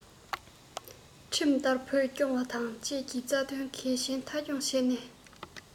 ཁྲིམས ལྟར བོད སྐྱོང བ དང བཅས ཀྱི རྩ དོན གལ ཆེན མཐའ འཁྱོངས བྱས ནས